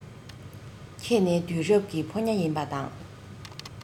ཁྱེད ནི དུས རབས ཀྱི ཕོ ཉ ཡིན པ དང